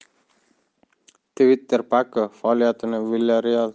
twitterpako faoliyatini vilyarreal